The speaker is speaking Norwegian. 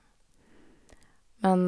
Men...